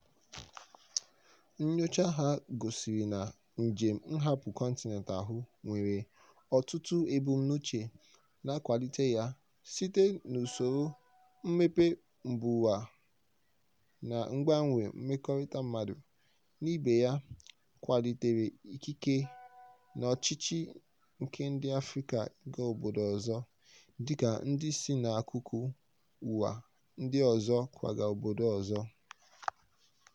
Nnyocha ha gosiri na njem nhapụ kọntinent ahụ nwere ọtụtụ ebumnuche na-akwalite ya site n'usoro mmepe mbaụwa na mgbanwe mmekọrịta mmadụ na ibe ya" kwalitere ikike na ọchịchọ nke ndị Afrịka ịga obodo ọzọ- dịka ndị si n'akụkụ ụwa ndị ọzọ kwaga obodo ọzọ.